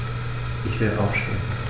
Ich will aufstehen.